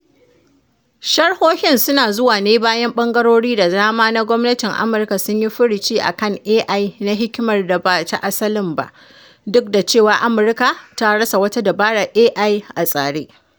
Sharhohin suna zuwa ne bayan ɓangarori da dama na gwamnatin Amurka sun yi furuci a kan AI na hikimar da ba ta asalin ba, duk da cewa Amurka ta rasa wata dabarar AI a tsare.